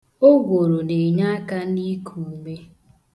Ogworo na-enye aka n'iku ume.